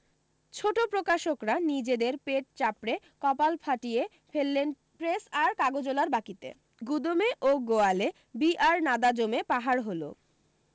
ছোটো প্রকাশকরা নিজেদের পেট চাপড়ে কপাল ফাটিয়ে ফেললেন প্রেস আর কাগজোলার বাকীতে গুদোমে ও গোয়ালে বি আর নাদা জমে পাহাড় হলো